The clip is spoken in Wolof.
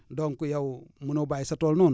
donc yow mënoo bàyyi sa tool noonu